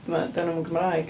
Dydi hwnna'm yn Gymraeg.